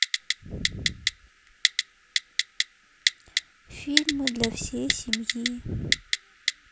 фильмы для всей семьи